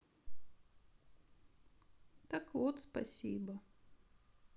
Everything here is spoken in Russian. так вот спасибо